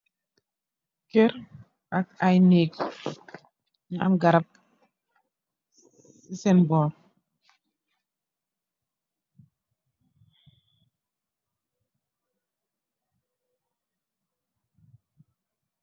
Kèr ak ay nèk am garap sèèn borr.